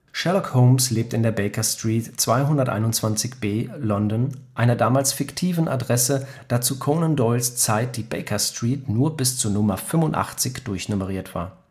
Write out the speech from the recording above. Sherlock Holmes lebt in der Baker Street 221b, London, einer damals fiktiven Adresse, da zu Conan Doyles Zeit die Baker Street nur bis zur Nr. 85 durchnummeriert war